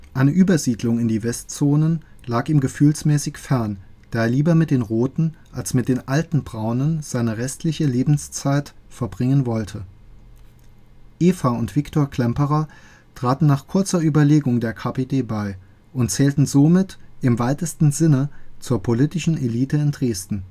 Eine Übersiedlung in die Westzonen lag ihm gefühlsmäßig fern, da er lieber mit den „ Roten “als mit den „ alten Braunen “seine restliche Lebenszeit verbringen wollte. Eva und Victor Klemperer traten nach kurzer Überlegung der KPD bei und zählten somit im weitesten Sinne zur politischen Elite in Dresden